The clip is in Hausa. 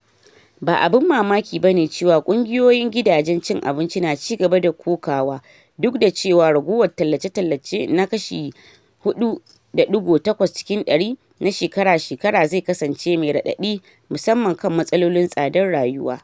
Ba abin mamaki ba ne cewa ƙungiyoyin gidajen cin abinci na ci gaba da kokawa, duk da cewa raguwar tallace-tallace na kashi 4.8 cikin 100 na shekara-shekara zai kasance mai raɗaɗi musamman kan matsalolin tsadar rayuwa.